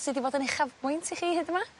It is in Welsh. sy 'di fod yn uchafbwynt i chi hyd yma?